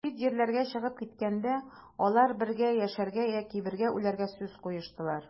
Чит җирләргә чыгып киткәндә, алар бергә яшәргә яки бергә үләргә сүз куештылар.